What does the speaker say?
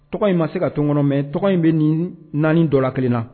Tɔgɔ in ma se ka tɔn n kɔnɔ. mais tɔgɔ in bɛ nin 4 dɔ la kelen na.